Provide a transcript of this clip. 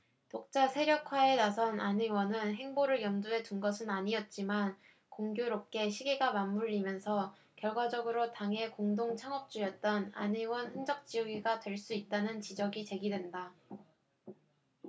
독자세력화에 나선 안 의원의 행보를 염두에 둔 것은 아니었지만 공교롭게 시기가 맞물리면서 결과적으로 당의 공동 창업주였던 안 의원 흔적 지우기가 될 수 있다는 지적이 제기된다